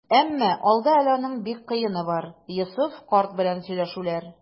Әмма алда әле аның бик кыены бар - Йосыф карт белән сөйләшүләр.